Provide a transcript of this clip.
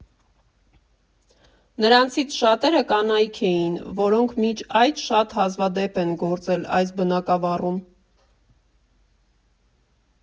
Նրանցից շատերը կանայք էին, որոնք մինչ այդ շատ հազվադեպ են գործել այս բնագավառում։